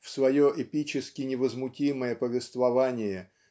в свое эпически-невозмутимое повествование